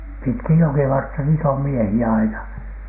pitkin jokivartta niitä on miehiä aina